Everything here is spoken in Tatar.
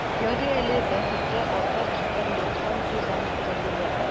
Ярый әле, бәхеткә, атлар киткән яктан тузан күтәрелде.